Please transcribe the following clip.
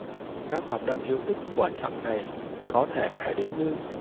các hoạt động hữu ích của chặng này có thể kể đến như